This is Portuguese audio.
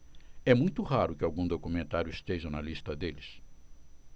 é muito raro que algum documentário esteja na lista deles